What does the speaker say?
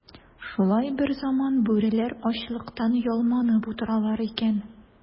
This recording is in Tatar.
Шулай берзаман бүреләр ачлыктан ялманып утыралар икән.